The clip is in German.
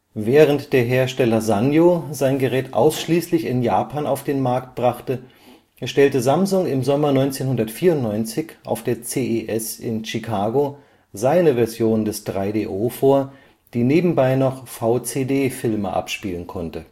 Während der Hersteller Sanyo sein Gerät ausschließlich in Japan auf den Markt brachte, stellte Samsung im Sommer 1994 auf der CES in Chicago seine Version des 3DO vor, die nebenbei noch VCD-Filme abspielen konnte